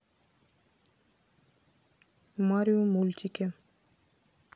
марио мультики